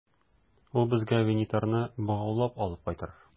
Ул безгә Винитарны богаулап алып кайтыр.